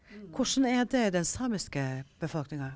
hvordan er det i den samiske befolkninga?